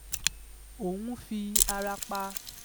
Òún fi ara pa.